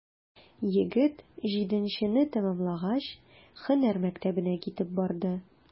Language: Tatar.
Егет, җиденчене тәмамлагач, һөнәр мәктәбенә китеп барды.